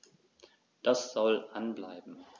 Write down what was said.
Das soll an bleiben.